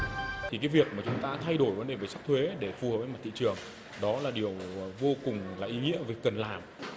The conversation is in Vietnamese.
thì cái việc mà chúng ta thay đổi quan điểm về sắc thuế để phù hợp với mặt thị trường đó là điều vô cùng ý nghĩa việc cần làm